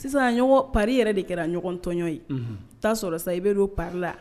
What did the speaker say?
Sisan ɲɔgɔn pari yɛrɛ de kɛra ɲɔgɔntɔnɔn ye' sɔrɔ sa i bɛ don pari la